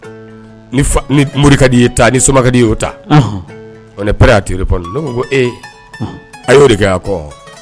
Ni mori di y ye ta ni somadi y'o ta o pre teri paul a'o de kɛ kɔ